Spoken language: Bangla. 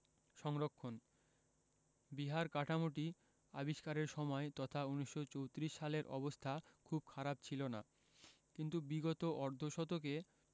সংরক্ষণঃ বিহার কাঠামোটি আবিষ্কারের সময় তথা ১৯৩৪ সালের অবস্থা খুব খারাপ ছিল না কিন্তু বিগত অর্ধ শতকে